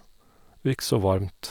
Ikke så varmt.